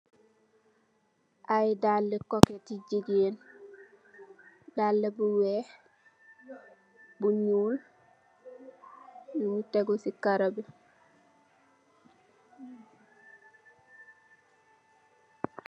Ay dalli kóket ti jigeen, dalla bu wèèx bu ñuul mugii tégu ci karó bi.